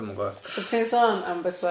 Ti'n sôn am betha